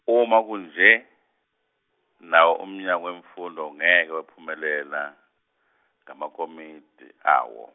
uma kunje, nawo uMnyango weMfundo ungeke waphumelela, ngamakomiti awo.